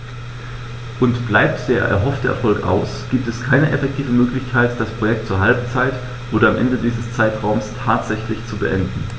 Und bleibt der erhoffte Erfolg aus, gibt es keine effektive Möglichkeit, das Projekt zur Halbzeit oder am Ende dieses Zeitraums tatsächlich zu beenden.